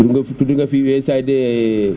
tudd nga fi tudd nga fi USAID